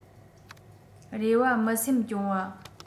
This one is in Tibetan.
རེ བ མི སེམས སྐྱོང བ